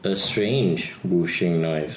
A strange whooshing noise.